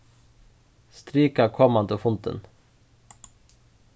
strika komandi fundin